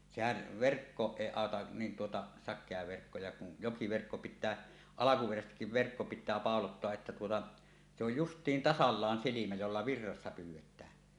sehän verkkoon ei auta niin tuota sakea verkko ja kun jokiverkko pitää alkuperäisestikin verkko pitää pauloittaa että tuota se on justiin tasallaan silmä jolla virrassa pyydetään